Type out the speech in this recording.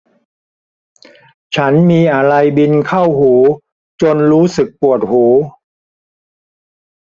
ฉันมีอะไรบินเข้าหูจนรู้สึกปวดหู